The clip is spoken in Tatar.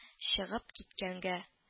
Чыгып киткәнгә